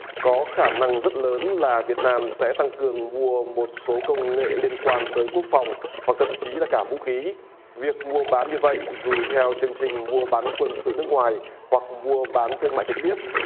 có khả năng rất lớn là việt nam sẽ tăng cường mua một số công nghệ liên quan tới quốc phòng hoặc thậm chí là cả vũ khí việc mua bán như vậy dù theo chương trình mua bán quân sự nước ngoài hoặc mua bán thương mại trực tiếp